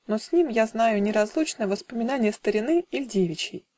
Но с ним, я знаю, неразлучно Воспоминанье старины Иль девичьей!